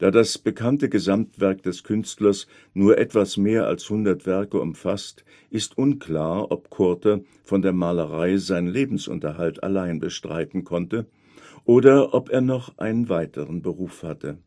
das bekannte Gesamtwerk des Künstlers nur etwas mehr als 100 Werke umfasst, ist unklar, ob Coorte von der Malerei seinen Lebensunterhalt allein bestreiten konnte, oder ob er noch einen weiteren Beruf hatte